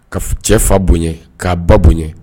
Ka cɛ fa bonɲɛn ka ba bonɲɛn